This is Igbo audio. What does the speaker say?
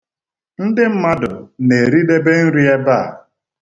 Ndị mmadụ na-eridebe nri ebea.